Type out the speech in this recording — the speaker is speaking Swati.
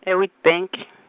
e- Witbank .